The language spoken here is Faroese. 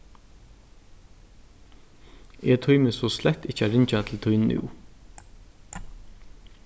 eg tími so slett ikki at ringja til tín nú